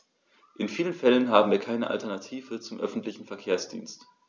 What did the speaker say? In vielen Fällen haben wir keine Alternative zum öffentlichen Verkehrsdienst.